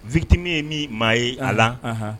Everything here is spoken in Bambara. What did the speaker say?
Victime ye min maa ye a la, anhan